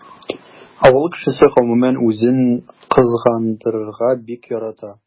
Авыл кешесе гомумән үзен кызгандырырга бик ярата.